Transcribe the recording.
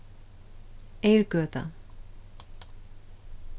eyrgøta